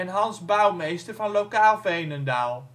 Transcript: Hans Bouwmeester (Lokaal Veenendaal